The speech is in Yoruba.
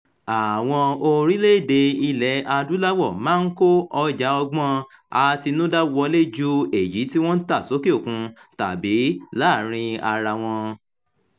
Àwọn orílẹ̀-èdè Ilẹ̀-Adúláwọ̀ máa ń kó ọjà ọgbọ́n àtinudá wọlé ju èyí tí wọ́n tà sókè òkun tàbí láàárin ara wọn.